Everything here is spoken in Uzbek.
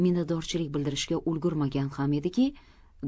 minnatdorchilik bildirishga ulgurmagan ham ediki